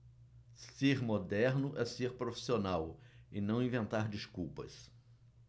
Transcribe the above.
ser moderno é ser profissional e não inventar desculpas